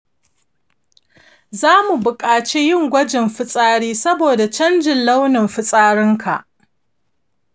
za mu buƙaci yin gwajin fitsari saboda canjin launin fitsarinka